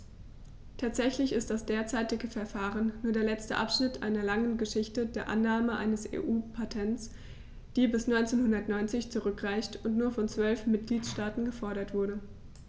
Tatsächlich ist das derzeitige Verfahren nur der letzte Abschnitt einer langen Geschichte der Annahme eines EU-Patents, die bis 1990 zurückreicht und nur von zwölf Mitgliedstaaten gefordert wurde.